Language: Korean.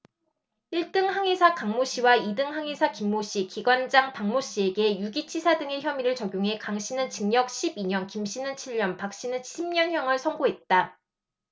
일 등 항해사 강모씨와 이 등 항해사 김모씨 기관장 박모씨에게 유기치사 등의 혐의를 적용해 강씨는 징역 십 이 년 김씨는 칠 년 박씨는 십 년 형을 선고했다